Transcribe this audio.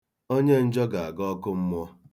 Onye njọ ga-aga ọkụm̄mụ̄ọ̄.